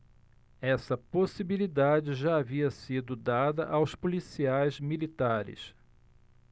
essa possibilidade já havia sido dada aos policiais militares